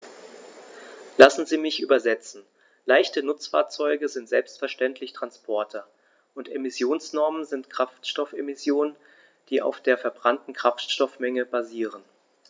Lassen Sie mich übersetzen: Leichte Nutzfahrzeuge sind selbstverständlich Transporter, und Emissionsnormen sind Kraftstoffemissionen, die auf der verbrannten Kraftstoffmenge basieren.